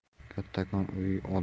kattakon uy